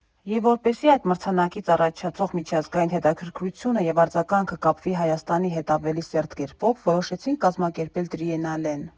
Եվ որպեսզի այդ մրցանակից առաջացող միջազգային հետաքրքրությունը և արձագանքը կապվի Հայաստանի հետ ավելի սերտ կերպով, որոշեցինք կազմակերպել տրիենալեն։